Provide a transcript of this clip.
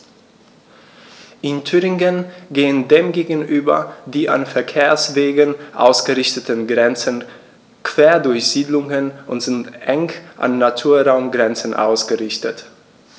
In Thüringen gehen dem gegenüber die an Verkehrswegen ausgerichteten Grenzen quer durch Siedlungen und sind eng an Naturraumgrenzen ausgerichtet.